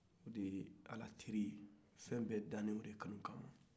o de ye ala teri ye fɛn bɛ dara ale de kanun kama